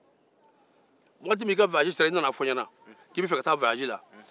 waati min na i ka taama sera i nana fɔ n ɲɛna k'i bɛ taa taama na